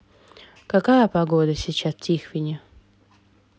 какая погода сейчас в тихвине